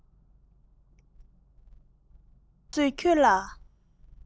ད བཟོད ཁྱོད ལ